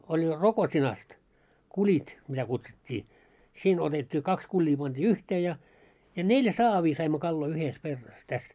oli Rokotinasta kulit mitä kutsuttiin siinä otettiin kaksi kulia pantiin yhteen ja ja neljä saavia saimme kaloja yhdessä kerrassa tässä